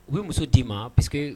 U be2 muso di ma parceque